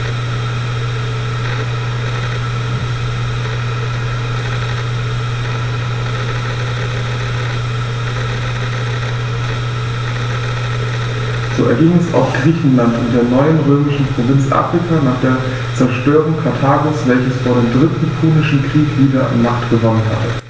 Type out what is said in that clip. So erging es auch Griechenland und der neuen römischen Provinz Afrika nach der Zerstörung Karthagos, welches vor dem Dritten Punischen Krieg wieder an Macht gewonnen hatte.